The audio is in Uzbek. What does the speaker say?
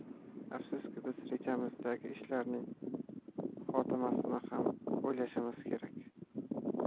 afsuski biz rejamizdagi ishlarning xotimasini ham o'ylashimiz kerak